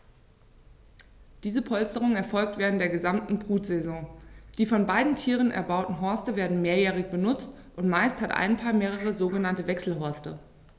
Diese Polsterung erfolgt während der gesamten Brutsaison. Die von beiden Tieren erbauten Horste werden mehrjährig benutzt, und meist hat ein Paar mehrere sogenannte Wechselhorste.